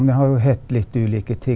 den har jo hett litt ulike ting.